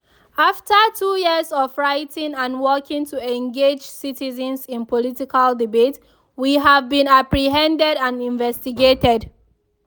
After two years of writing and working to engage citizens in political debate, we have been apprehended and investigated.